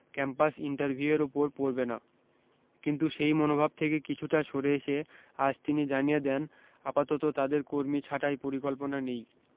campus ইন্টারভিউয়ের উপর পড়বে না কিন্তু সেই মনোভাব থেকে কিছুটা সরে এসে আজ তিনি জানিয়ে দেন আপাতত তাদের কর্মী ছাঁটাই পরিকল্পনা নেই